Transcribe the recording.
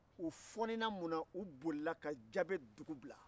u fonina mun na u bolila ka jabe dugu bila